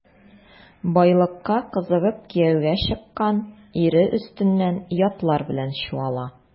Байлыкка кызыгып кияүгә чыккан, ире өстеннән ятлар белән чуала.